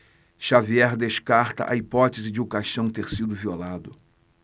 xavier descarta a hipótese de o caixão ter sido violado